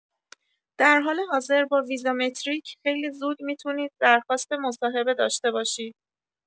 در حال حاضر با ویزامتریک خیلی زود می‌تونید درخواست مصاحبه داشته باشید.